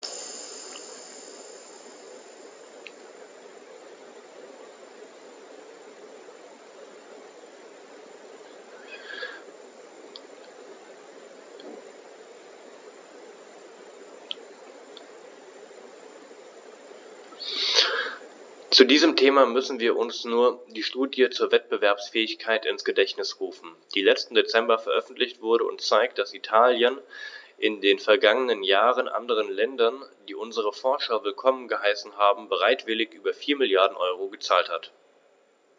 Zu diesem Thema müssen wir uns nur die Studie zur Wettbewerbsfähigkeit ins Gedächtnis rufen, die letzten Dezember veröffentlicht wurde und zeigt, dass Italien in den vergangenen Jahren anderen Ländern, die unsere Forscher willkommen geheißen haben, bereitwillig über 4 Mrd. EUR gezahlt hat.